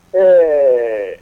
Ɛɛ